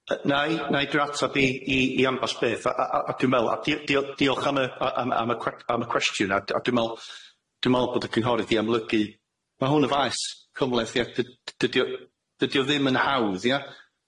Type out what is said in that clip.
Yy nai nai dwi'n atab i i i amball beth a a a dwi'n me'wl a di- dio- diolch am y yy am y cwe- am y cwestiwn a d- a dwi me'wl dwi me'wl bod y cynghorydd di amlygu ma' hwn yn faes cymhleth ie dy- dydi o- dydi o ddim yn hawdd ia?